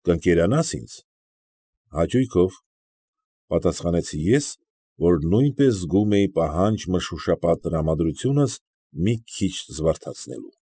Կընկերանա՞ս ինձ։ ֊ Հաճույքով, ֊ պատասխանեցի ես, որ նույնպես զգում էի պահանջ մշուշապատ տրամադրությունս մի քիչ զվարթացնելու։